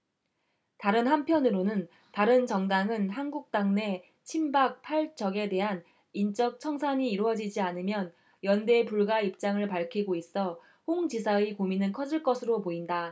다른 한편으로는 바른정당은 한국당내 친박 팔 적에 대한 인적청산이 이뤄지지 않으면 연대 불가 입장을 밝히고 있어 홍 지사의 고민은 커질 것으로 보인다